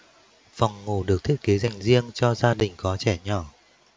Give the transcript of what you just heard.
phòng ngủ được thiết kế dành riêng cho gia đình có trẻ nhỏ